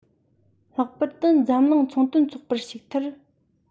ལྷག པར དུ འཛམ གླིང ཚོང དོན ཚོགས པར ཞུགས མཐར